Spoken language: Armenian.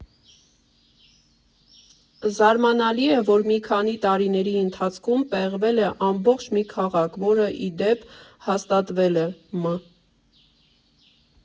Զարմանալի է, որ մի քանի տարիների ընթացքում պեղվել է ամբողջ մի քաղաք, որը, ի դեպ, հաստատվել է մ.